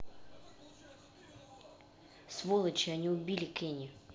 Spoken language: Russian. сволочи они убили кени